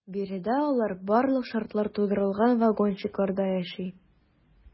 Биредә алар барлык шартлар тудырылган вагончыкларда яши.